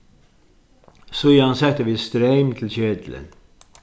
síðani settu vit streym til ketilin